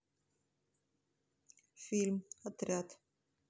фильм отряд